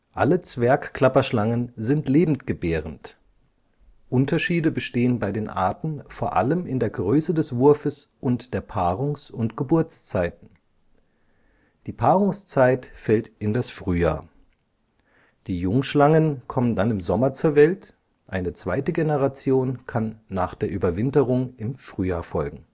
Alle Zwergklapperschlangen sind lebendgebärend (ovovivipar). Unterschiede bestehen bei den Arten vor allem in der Größe des Wurfes und der Paarungs - und Geburtszeiten. Die Paarungszeit fällt in das Frühjahr. Die Jungschlangen kommen dann im Sommer zur Welt, eine zweite Generation kann nach der Überwinterung im Frühjahr folgen